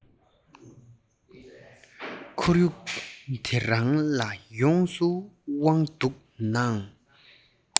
ཁོར ཡུག འདི རང ལ ཡོངས སུ དབང འདུག ནའང